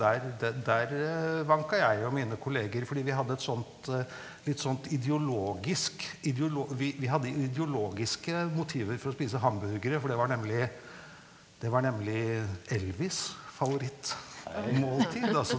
der der vanka jeg og mine kolleger, fordi vi hadde et sånt litt sånt ideologisk vi vi hadde ideologiske motiver for å spise hamburgere, for det var nemlig det var nemlig Elvis' favorittmåltid altså.